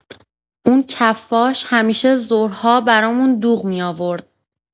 اون کفاش همیشه ظهرها برامون دوغ می‌آورد.